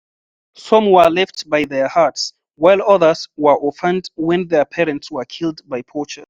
Some were left by their herds, while others were orphaned when their parents were killed by poachers.